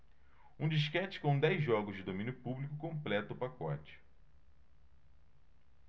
um disquete com dez jogos de domínio público completa o pacote